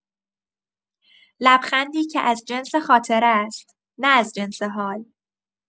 لبخندی که از جنس خاطره است، نه از جنس حال.